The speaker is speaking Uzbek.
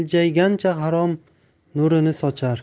behayo iljaygancha harom nurini sochar